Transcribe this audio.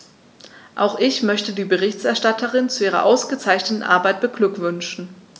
Auch ich möchte die Berichterstatterin zu ihrer ausgezeichneten Arbeit beglückwünschen.